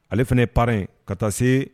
Ale fana ye pare ka taa se